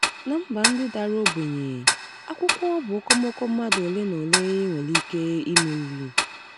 Na mba ndị dara ogbenye, akwụkwọ bụ okomoko mmadụ olenaole nwere ike imeli.